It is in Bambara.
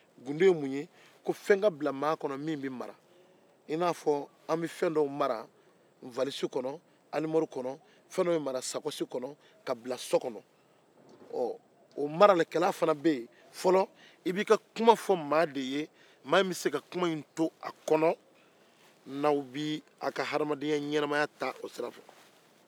gundo ye mun ye ko fɛn ka bila maa kɔnɔ min bɛ mara i n'a fɔ an bɛ fɛn dɔw mara walisi kɔnɔ sakɔsi kɔnɔ arimɔri kɔnɔ o maralikɛla fana bɛ yen fɔlɔ i b'i ka kuma fɔ maa de ye maa in b'a to a kɔnɔ i n'a bɛ aw ka ɲɛnamaya taa o sira kɔ